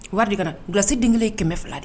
Wari ka nalasi den kelen kɛmɛ fila de ye